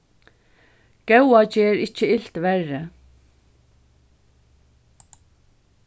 góða ger ikki ilt verri